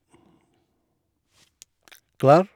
Klar.